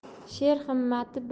sher himmati bilak